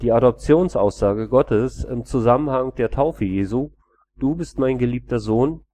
Adoptionsaussage Gottes im Zusammenhang der Taufe Jesu Du bist mein geliebter Sohn